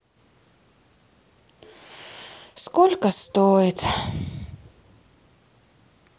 сколько стоит